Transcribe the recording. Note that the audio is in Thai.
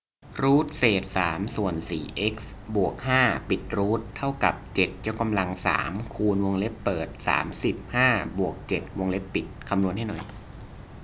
รูทเศษสามส่วนสี่เอ็กซ์บวกห้าปิดรูทเท่ากับเจ็ดยกกำลังสามคูณวงเล็บเปิดสามสิบห้าบวกเจ็ดวงเล็บปิดคำนวณให้หน่อย